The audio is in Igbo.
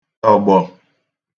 tọ̀gbọ̀